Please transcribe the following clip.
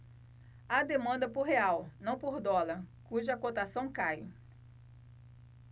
há demanda por real não por dólar cuja cotação cai